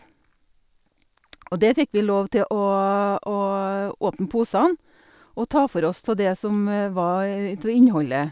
Og det fikk vi lov til, å å åpne posene og ta for oss tå det som var tå innholdet.